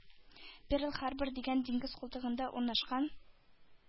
Перл-Харбор дигән диңгез култыгында урнашкан